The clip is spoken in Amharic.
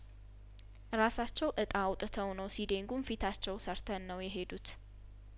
ራሳቸው እጣ አውጥተው ነው ሲዴን ጉን ፊታቸው ሰርተን ነው የሄዱት